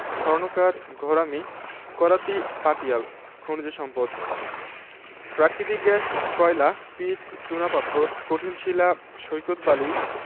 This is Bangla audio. স্বর্ণকার ঘরামি করাতি পাটিয়াল খনিজ সম্পদঃ প্রাকৃতিক গ্যাস কয়লা পিট চুনাপাথর কঠিন শিলা সৈকত বালি